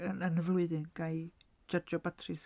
Yn yn y flwyddyn ga i jarjio batris.